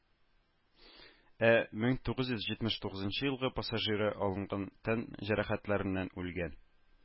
Ә мең тугыз йөз җитмеш тугызынчы елгы пассажиры алынган тән җәрәхәтләреннән үлгән